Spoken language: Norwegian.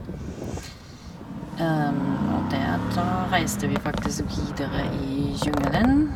Og deretter reiste vi faktisk videre i jungelen.